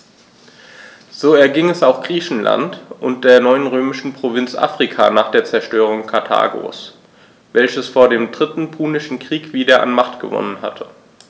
So erging es auch Griechenland und der neuen römischen Provinz Afrika nach der Zerstörung Karthagos, welches vor dem Dritten Punischen Krieg wieder an Macht gewonnen hatte.